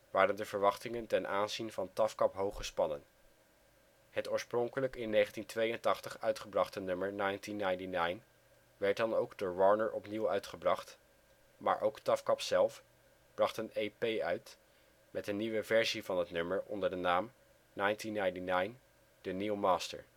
waren de verwachtingen ten aanzien van TAFKAP hoog gespannen. Het oorspronkelijk in 1982 uitgebrachte nummer 1999 werd dan ook door Warner opnieuw uitgebracht, maar ook TAFKAP zelf bracht een EP uit met een nieuwe versie van het nummer onder de naam 1999: The New Master